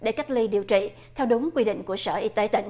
để cách ly điều trị theo đúng quy định của sở y tế tỉnh